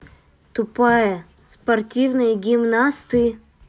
тупая спортивные гимнасты